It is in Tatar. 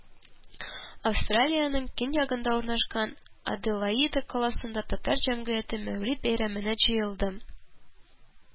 Австралиянең көньягында урнашкан Аделаида каласында татар җәмгыяте Мәүлид бәйрәменә җыелды